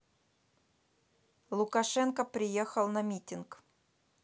лукашенко приехал на митинг